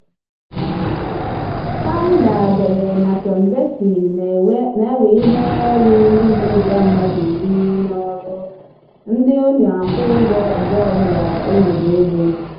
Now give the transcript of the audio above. Kwanga dere na Kondesi na-ewe ihe ruru ndị ntorobịa mmadụ iri n'ọrụ, ndị ọ na-akwụ ụgwọ mgbe ọbụla o nwere ego.